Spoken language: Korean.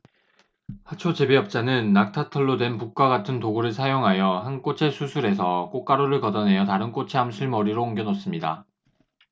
화초 재배업자는 낙타털로 된 붓과 같은 도구를 사용하여 한 꽃의 수술에서 꽃가루를 걷어 내어 다른 꽃의 암술머리로 옮겨 놓습니다